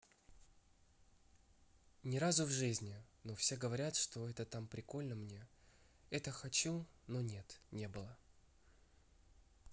ни разу в жизни но все говорят что это там прикольно мне это хочу но нет не было